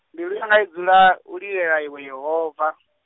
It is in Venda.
mbilu yanga idzula, u lilela iwe Yehova.